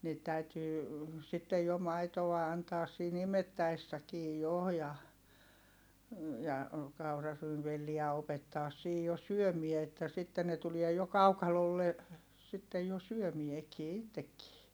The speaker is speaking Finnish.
niitä täytyy sitten jo maitoa antaa siinä imettäessäkin jo ja ja kauraryynivelliä opettaa siinä jo syömään että sitten ne tuli jo kaukalolle sitten jo syömäänkin itsekin